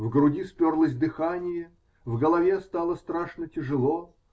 В груди сперлось дыхание, в голове стало страшно тяжело.